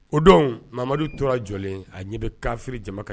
O donmadu tora jɔlen a ɲɛ bɛ karifiri jamana ka